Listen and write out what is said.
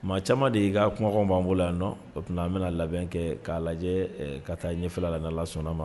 Maa caman de y ye ka kumakan b'an bolo la yan nɔ o tuma an bɛna labɛn kɛ k'a lajɛ ka taa ɲɛfɛ lala sɔnna ma